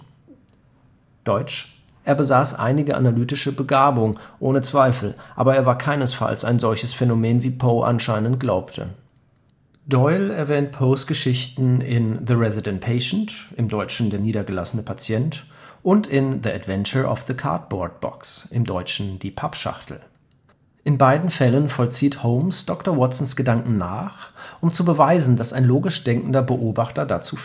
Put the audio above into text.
deutsch: „ Er besaß einige analytische Begabung, ohne Zweifel; aber er war keinesfalls ein solches Phänomen, wie Poe anscheinend glaubte. “) Doyle erwähnt Poes Geschichten in The Resident Patient (dt.: Der niedergelassene Patient) und in The Adventure of the Cardboard Box (dt: Die Pappschachtel). In beiden Fällen vollzieht Holmes Dr. Watsons Gedanken nach, um zu beweisen, dass ein logisch denkender Beobachter dazu